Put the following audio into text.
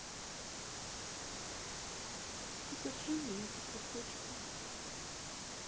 держи меня по кусочку